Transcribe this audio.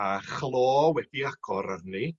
â chlo wedi agor arni